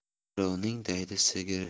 birovning daydi sigiri